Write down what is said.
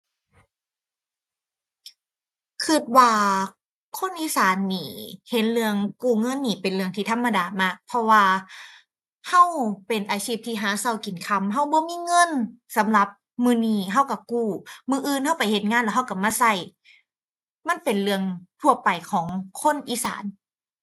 คิดว่าคนอีสานนี่เห็นเรื่องกู้เงินนี่เป็นเรื่องที่ธรรมดามาก เพราะว่าคิดเป็นอาชีพที่หาคิดกินค่ำ คิดบ่มีเงินสำหรับมื้อนี่คิดคิดกู้ มื้ออื่นคิดไปเฮ็ดงานแล้วคิดคิดมาคิด มันเป็นเรื่องทั่วไปของคนอีสาน